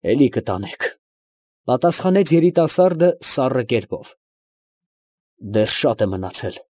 Էլի կտանեք, ֊ պատասխանեց երիտասարդը սառն կերպով, ֊ դեռ շատ է մնացել։